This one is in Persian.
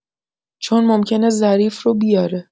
چون ممکنه ظریف رو بیاره.